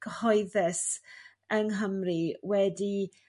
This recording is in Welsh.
cyhoeddus yng Nghymru wedi